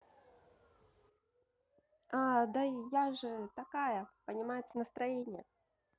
а да я же такая понимается настроение